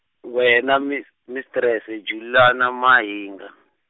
wena mis- mistrese Juliana Mahinga.